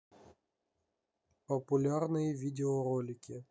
популярные видеоролики